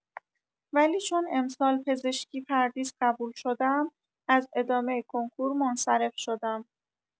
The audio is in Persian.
ولی چون امسال پزشکی پردیس قبول شدم از ادامه کنکور منصرف شدم